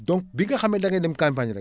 donc bi nga xam ne da ngay dem campagne rek